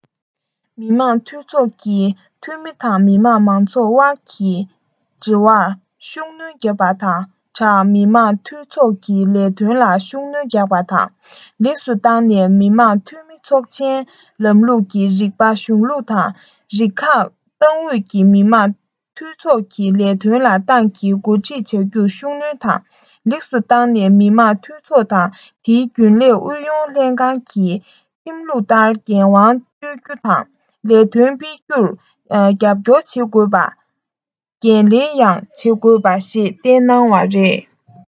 མི དམངས འཐུས ཚོགས ཀྱི འཐུས མི དང མི དམངས མང ཚོགས དབར གྱི འབྲེལ བར ཤུགས སྣོན རྒྱག པ དང སྦྲགས མི དམངས འཐུས ཚོགས ཀྱི ལས དོན ལ ཤུགས སྣོན རྒྱག པ དང ལེགས སུ བཏང ནས མི དམངས འཐུས མི ཚོགས ཆེན ལམ ལུགས ཀྱི རིགས པའི གཞུང ལུགས དང རིམ ཁག ཏང ཨུད ཀྱིས མི དམངས འཐུས ཚོགས ཀྱི ལས དོན ལ ཏང གིས འགོ ཁྲིད བྱ རྒྱུར ཤུགས སྣོན དང ལེགས སུ བཏང ནས མི དམངས འཐུས ཚོགས དང དེའི རྒྱུན ལས ཨུ ཡོན ལྷན ཁང གིས ཁྲིམས ལུགས ལྟར འགན དབང སྤྱོད རྒྱུ དང ལས དོན སྤེལ རྒྱུར རྒྱབ སྐྱོར བྱེད དགོས ལ འགན ལེན ཡང བྱེད དགོས ཞེས བསྟན གནང བ རེད